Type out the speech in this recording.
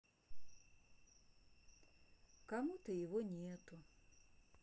кому то его нету